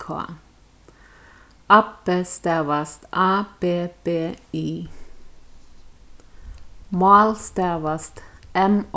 k abbi stavast a b b i mál stavast m